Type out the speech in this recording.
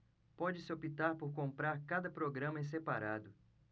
pode-se optar por comprar cada programa em separado